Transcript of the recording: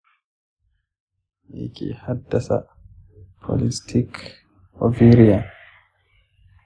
meke haddasa polycystic ovarian?